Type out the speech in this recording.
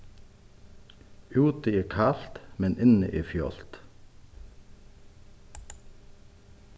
úti er kalt men inni er fjálgt